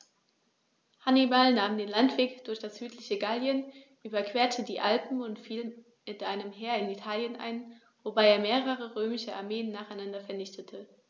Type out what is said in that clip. Hannibal nahm den Landweg durch das südliche Gallien, überquerte die Alpen und fiel mit einem Heer in Italien ein, wobei er mehrere römische Armeen nacheinander vernichtete.